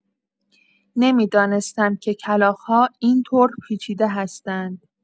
نمی‌دانستم که کلاغ‌ها این‌طور پیچیده هستند.